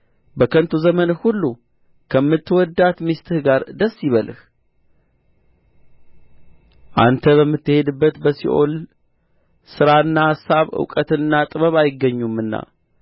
በከንቱ ዘመንህ ሁሉ ከምትወድዳት ሚስትህ ጋር ደስ ይበልህ አንተ በምትሄድበት በሲኦል ሥራና አሳብ እውቀትና ጥበብ አይገኙምና